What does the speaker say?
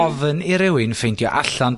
...ofyn i rywun ffeindio allan...